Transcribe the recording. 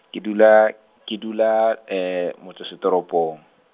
ke dula , ke dula motse setoropong.